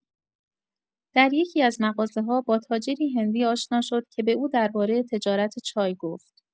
در یکی‌از مغازه‌ها با تاجری هندی آشنا شد که به او درباره تجارت چای گفت.